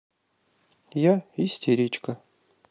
я истеричка